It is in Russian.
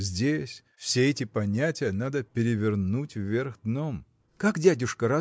здесь все эти понятия надо перевернуть вверх дном. – Как дядюшка